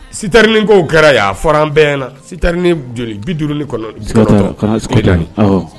Sitɛrinin kow kɛra yan, a fɔra an bɛɛ ɲɛna sitɛrinin joli? 59, siga t'a la